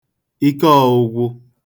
ike ọ̄ụ̄gwụ̄